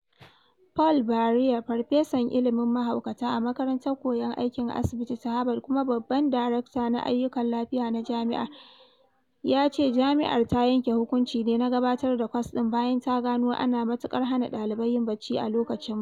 Paul Barreira, farfesan ilmin mahaukata a Makarantar Koyon Aikin Asibiti ta Harvard kuma babban darakta na ayyukan lafiya na jami’ar, ya ce jami’ar ta yanke hukunci ne na gabatar da kwas ɗin bayan ta gano ana matuƙar hana ɗalibai yin barci a lokacin mako.